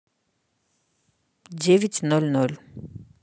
девять ноль ноль